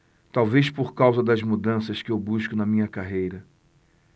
talvez por causa das mudanças que eu busco na minha carreira